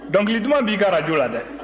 dɔnkili duman b'i ka arajo la dɛ